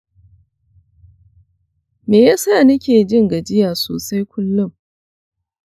me yasa nake jin gajiya sosai kullum?